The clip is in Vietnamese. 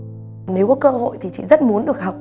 nếu có cơ hội thì chị rất muốn được học